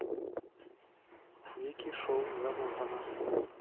вики шоу замотана